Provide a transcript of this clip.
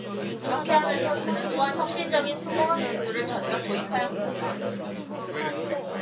그렇게 하면서 그는 또한 혁신적인 수공학 기술을 전격 도입하였습니다